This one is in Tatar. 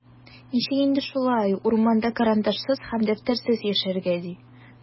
Ничек инде шулай, урманда карандашсыз һәм дәфтәрсез яшәргә, ди?!